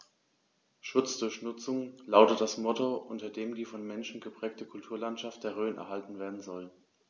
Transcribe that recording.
„Schutz durch Nutzung“ lautet das Motto, unter dem die vom Menschen geprägte Kulturlandschaft der Rhön erhalten werden soll.